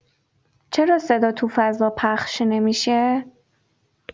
چرا صدا تو فضا پخش نمی‌شه؟